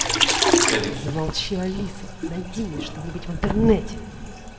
замолчи алиса найди мне что нибудь в интернете